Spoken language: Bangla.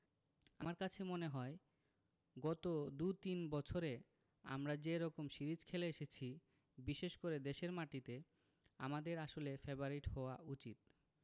আমার কাছে মনে হয় গত দু তিন বছরে আমরা যে রকম সিরিজ খেলে এসেছি বিশেষ করে দেশের মাটিতে আমাদের আসলে ফেবারিট হওয়া উচিত